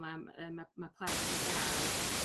ma' m- yy ma' ma' plant yn 'u ga'l.